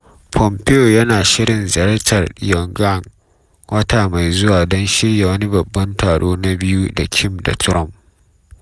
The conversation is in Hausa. Pompeo yana shirin ziyartar Pyongyang wata mai zuwa don shirya wani babban taro na biyu da Kim da Trump.